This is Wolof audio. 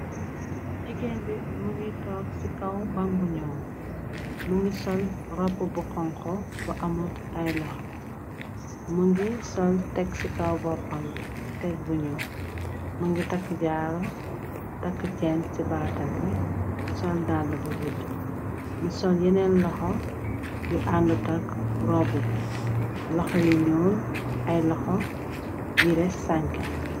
jigéen bi mogi toog ci kaw ban bu ñuul mogi sol roba bu xonko bu amot ay loxo mogi sol teg ci kaw boppam bi tegg bu nuul mogi takk jaaru takk cenn ci baatam bi sol dàll bu gudd mi sol yeneen loxo yu àndu takk ropba bi loxo yu ñuul ay loxo yire sanke.